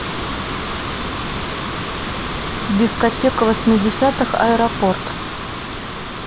дискотека восьмидесятых аэропорт